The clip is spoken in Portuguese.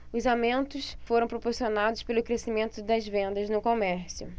os aumentos foram proporcionados pelo crescimento das vendas no comércio